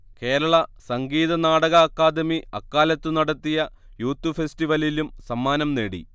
കേരള സംഗീതനാടക അക്കാദമി അക്കാലത്ത് നടത്തിയ യൂത്ത്ഫെസ്റ്റിവലിലും സമ്മാനംനേടി